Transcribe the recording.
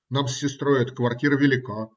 Нам с сестрой эта квартира велика